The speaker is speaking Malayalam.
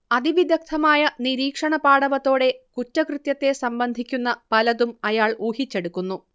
അതിവിഗ്‌ദ്ധമായ നിരീക്ഷണപാടവത്തോടെ കുറ്റകൃത്യത്തെ സംബന്ധിക്കുന്ന പലതും അയാൾ ഊഹിച്ചെടുക്കുന്നു